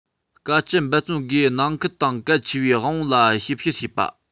དཀའ སྤྱད འབད བརྩོན སྒོས ནང ཁུལ དང གལ ཆེ བའི དབང བོ ལ ཞིབ བཤེར བྱེད པ དང